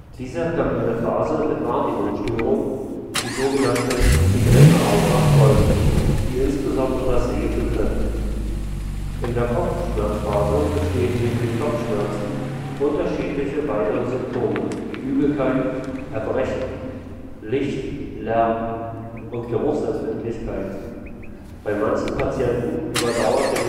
Dieser kann eine Phase mit Wahrnehmungsstörungen, die sogenannte Migräneaura, folgen, die insbesondere das Sehen betreffen. In der Kopfschmerzphase bestehen neben den Kopfschmerzen unterschiedliche weitere Symptome, wie Übelkeit, Erbrechen, Licht -, Lärm - und Geruchsempfindlichkeit. Bei manchen Patienten überdauert der